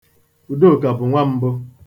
Udoka bụ nwambụ.